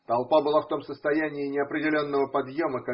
Толпа была в том состоянии неопределенного подъема.